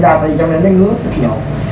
tại gì chỗ này nó ngứa tao nhột